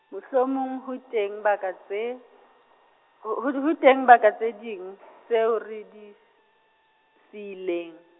mohlomong ho teng baka tse, ho ho di ho teng baka tse ding , tseo re di, siileng.